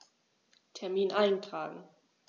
Termin eintragen